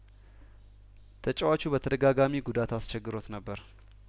ተጫዋቹ በተደጋጋሚ ጉዳት አስቸግሮት ነበር